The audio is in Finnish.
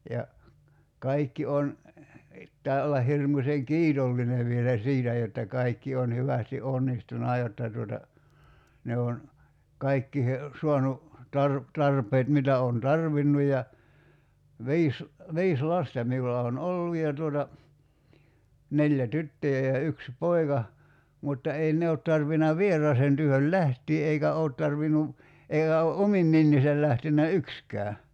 ja kaikki on pitää olla hirmuisen kiitollinen vielä siitä jotta kaikki on hyvästi onnistunut jotta tuota ne on kaikkiin saanut - tarpeet mitä olen tarvinnut ja viisi viisi lasta minulla on ollut ja tuota neljä tyttöjä ja yksi poika mutta ei ne ole tarvinnut vieraaseen työhön lähteä eikä ole tarvinnut eikä ole omin neninsä lähtenyt yksikään